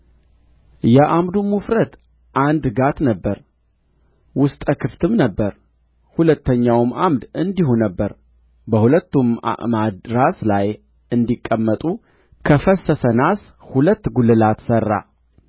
የዓምዱም ውፍረት አንድ ጋት ነበረ ውስጠ ክፍትም ነበረ ሁለተኛውም ዓምድ እንዲሁ ነበረ በሁለቱም አዕማድ ራስ ላይ እንዲቀመጡ ከፈሰሰ ናስ ሁለት ጕልላት ሠራ